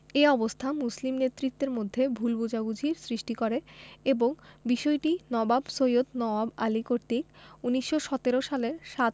এ অবস্থা মুসলিম নেতৃত্বের মধ্যে ভুল বোঝাবুঝির সৃষ্টি করে এবং বিষয়টি নবাব সৈয়দ নওয়াব আলী কর্তৃক ১৯১৭ সালে ৭